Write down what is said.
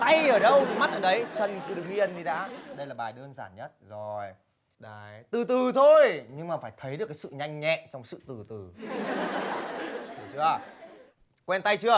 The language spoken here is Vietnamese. tay ở đâu mắt ở đấy chân cứ đứng yên đi đã đây là bài đơn giản nhất rồi đấy từ từ thôi nhưng mà thấy được cái sự nhanh nhẹn trong sự từ từ hiểu chưa quen tay chưa